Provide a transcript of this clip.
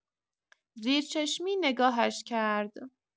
زیر چشمی نگاهش کرد.